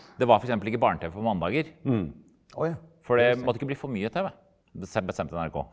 det var f.eks. ikke barne-tv på mandager for det måtte ikke bli for mye tv bestemte NRK.